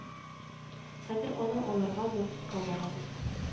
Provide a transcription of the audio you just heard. Хәзер аны алырга моргка барабыз